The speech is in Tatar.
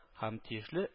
Һәм тиешле